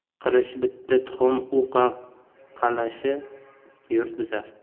qilishi bitta tuxum u qa qalashi yurt buzar